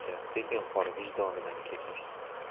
ichar tekinxo'r vijdonidan kechar